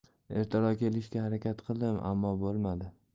ertaroq kelishga harakat qildim ammo bo'lmadi